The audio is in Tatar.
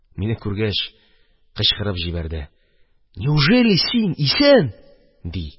Мине күргәч кычкырып җибәрде: – Неужели син исән? – ди.